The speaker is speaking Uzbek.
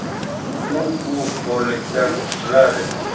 u ku xorlikdan qutuladi